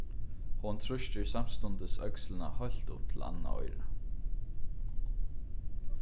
hon trýstir samstundis økslina heilt upp til annað oyrað